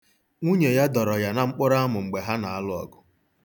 Nwunye ya dọrọ ya na mkpụrụamụ mgbe ha na-alụ ọgụ.